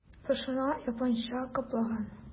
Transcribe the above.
Башына япанча каплаган...